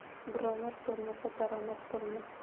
buromad bo'lmasa daromad bo'lmas